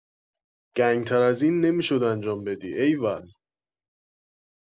گنگ‌تر از این نمی‌شد انجام بدی ایول